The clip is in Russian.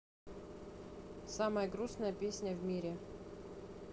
самая грустная песня в мире